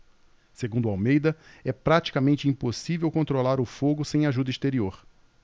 segundo almeida é praticamente impossível controlar o fogo sem ajuda exterior